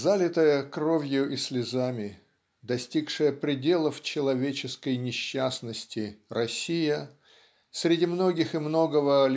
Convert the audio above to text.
Залитая кровью и слезами достигшая пределов человеческой несчастности Россия среди многих и многого